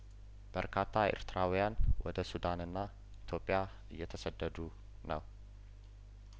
በርካታ ኤርትራዊያን ወደ ሱዳንና ኢትዮጵያ እየተሰደዱ ነው